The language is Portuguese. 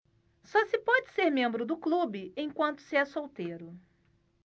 só se pode ser membro do clube enquanto se é solteiro